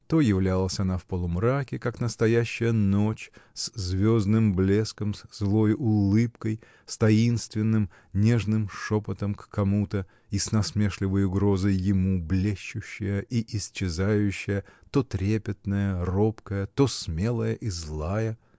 То являлась она в полумраке, как настоящая ночь, с звездным блеском, с злой улыбкой, с таинственным, нежным шепотом к кому-то и с насмешливой угрозой ему, блещущая и исчезающая, то трепетная, робкая, то смелая и злая!